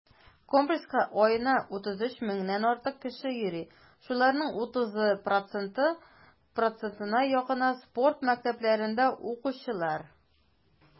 Комплекска аена 33 меңнән артык кеше йөри, шуларның 30 %-на якыны - спорт мәктәпләрендә укучылар.